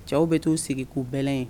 Cɛw bɛ t'u sigi k'u bɛɛlɛn ye